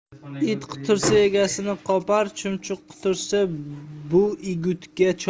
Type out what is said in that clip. it qutursa egasini qopar chumchuq qutursa buigutga chopar